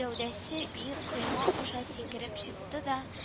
Гәүдәсе биек койма аша сикереп чыкты да